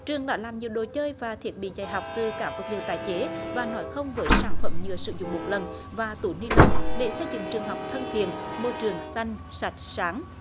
trường đã làm nhiều đồ chơi và thiết bị dạy học từ các vật liệu tái chế và nói không với sản phẩm nhựa sử dụng một lần và túi ni lông để xây dựng trường học thân thiện môi trường xanh sạch sáng